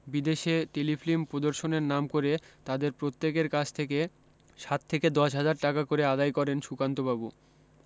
বিদেশে টেলিফিল্ম প্রদর্শনের নাম করে তাদের প্রত্যেকের কাছ থেকে সাত থেকে দশ হাজার টাকা করে আদায় করেন সুকান্তবাবু